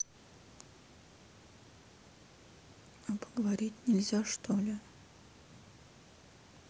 а поговорить нельзя что ли